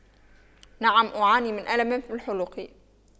نعم أعاني من ألم في الحلق